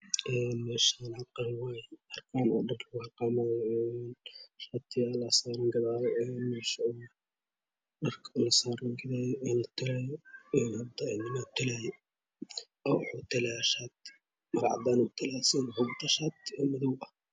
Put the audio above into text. Een meeshan waxa waye harqaan harqan dharka lagu harqamayo shaatiyal aa saran gadal dharka o saran oo latalayo hada nin aa talayo oo wuxu tala shaati maro cadan asagana wuxu wata shaati madow ah